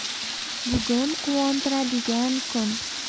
bugun quvontiradigan kun